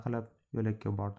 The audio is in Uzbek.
yo'lakka bordi